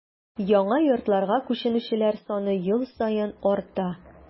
Яңа йортларга күченүчеләр саны ел саен арта.